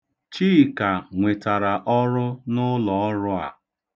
Chika nwetara ọrụ n'ụlọọrụ a.